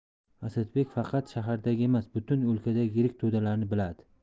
asadbek faqat shahardagi emas butun o'lkadagi yirik to'dalarni biladi